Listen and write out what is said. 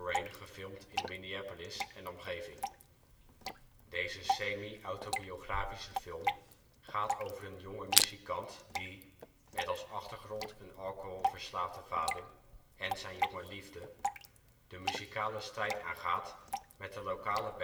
Rain gefilmd in Minneapolis en omgeving. Deze semi-autobiografische film gaat over een jonge muzikant die, met als achtergrond een alcoholverslaafde vader en zijn jonge liefde, de muzikale strijd aangaat met de lokale